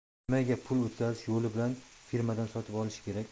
nimaga pul o'tkazish yo'li bilan firmadan sotib olish kerak